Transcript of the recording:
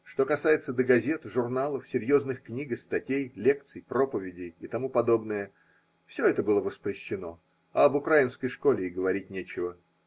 что касается до газет, журналов, серьезных книг и статей, лекций, проповедей и т.п. ,– все это было воспрещено, а об украинской школе и говорить нечего.